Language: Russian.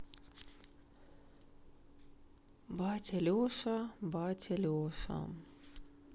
батя леша батя леша